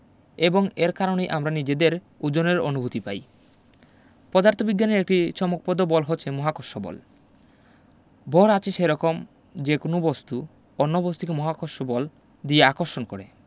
এবং এর কারণেই আমরা নিজেদের ওজনের অনুভূতি পাই পদার্থবিজ্ঞানের একটি চমকপদ বল হচ্ছে মহাকর্ষ বল ভর আছে সেরকম যেকোনো বস্তু অন্য বস্তুকে মহাকর্ষ বল দিয়ে আকর্ষণ করে